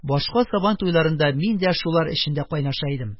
Башка сабан туйларында мин дә шулар эчендә кайнаша идем.